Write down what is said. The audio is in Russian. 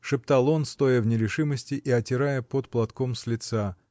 — шептал он, стоя в нерешимости и отирая пот платком с лица.